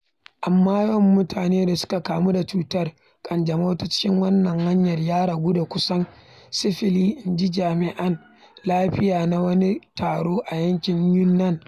Amma yawan mutanen da suka kamu da cutar ƙanjamau ta cikin wannan hanyar ya ragu da kusan sifili, inji jami'an lafiya na a wani taro a yankin Yunnan.